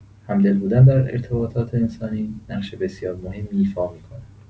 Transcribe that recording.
همدل بودن در ارتباطات انسانی نقش بسیار مهمی ایفا می‌کند.